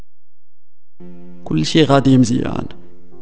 كل شيء قديم زعلان